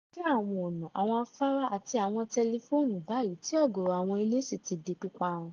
Wọ́n ti já àwọn ọ̀nà, àwọn afárá àti àwọn tẹlifóònù báyìí tí ọ̀gọ̀ọ̀rọ̀ àwọn ilé sì ti di píparun.